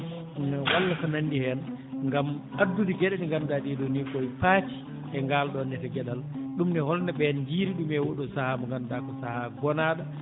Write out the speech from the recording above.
walla ko nanndi heen ngam addude geɗe ɗe ngannduɗaa ɗee ɗoo nii koye paati e ngaal ɗoon ne geɗal ɗum ne holno ɓeen njiyiri e oo ɗoo sahaa mo ngannduɗaa ko sahaa ngonaaɗo